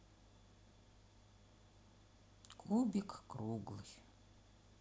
кубик круглый